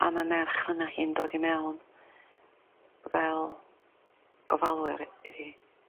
A ma' merch hynna hi'n dod i mewn fel gofalwyr i- iddi.